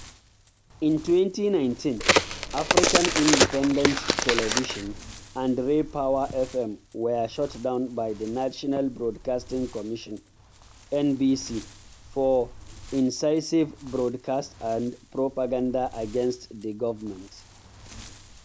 In 2019, African Independent Television and RayPower FM were shut down by the National Broadcasting Commission (NBC) for incisive broadcast and propaganda against the government.